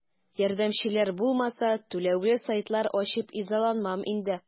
Ярдәмчеләр булмаса, түләүле сайтлар ачып изаланмам инде.